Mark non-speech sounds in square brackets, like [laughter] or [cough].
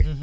[hesitation] [hesitation]